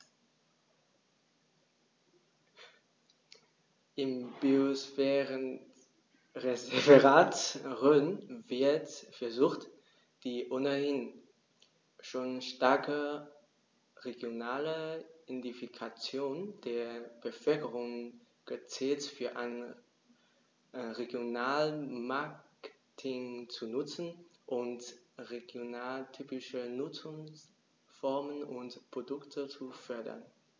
Im Biosphärenreservat Rhön wird versucht, die ohnehin schon starke regionale Identifikation der Bevölkerung gezielt für ein Regionalmarketing zu nutzen und regionaltypische Nutzungsformen und Produkte zu fördern.